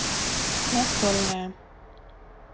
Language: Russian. настольная